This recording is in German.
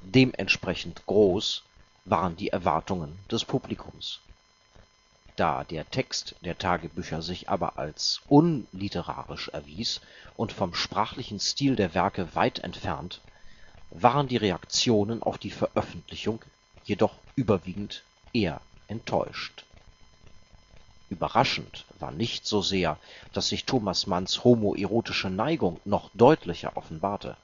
Dementsprechend groß waren die Erwartungen des Publikums. Da der Text der Tagebücher sich aber als „ unliterarisch “erwies und vom sprachlichen Stil der Werke weit entfernt, waren die Reaktionen auf die Veröffentlichung jedoch überwiegend eher enttäuscht. Überraschend war nicht so sehr, dass sich Thomas Manns homoerotische Neigung noch deutlicher offenbarte